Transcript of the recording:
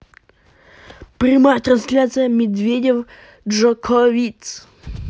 прямая трансляция медведев джокович